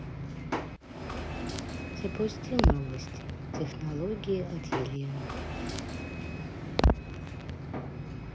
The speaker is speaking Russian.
запусти новости технологии от елены